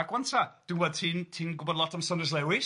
...ac ŵan ta dwi'n gwybod ti'n ti'n gwybod lot am Saunders Lewis?